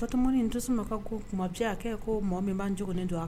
Batoma nin dusumakagon kumabiyɛ aa kɛɛ koo mɔɔ min maan juguni do a